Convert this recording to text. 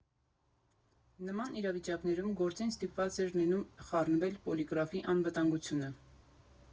Նման իրավիճակներում գործին ստիպված էր լինում խառնվել Պոլիգրաֆի անվտանգությունը։